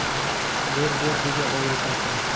ber ber dedi oyim shoshilib